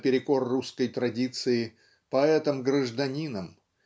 наперекор русской традиции поэтом-гражданином.